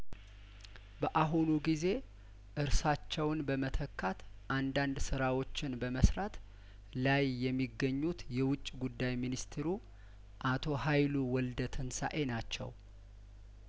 በአሁኑ ጊዜ እርሳቸውን በመተካት አንዳንድ ስራዎችን በመስራት ላይ የሚገኙት የውጭ ጉዳይ ሚኒስትሩ አቶ ሀይሉ ወልደ ትንሳኤ ናቸው